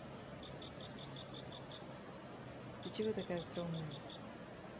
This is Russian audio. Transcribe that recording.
ты чего такая остроумная